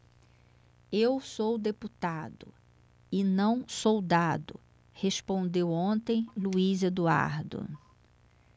eu sou deputado e não soldado respondeu ontem luís eduardo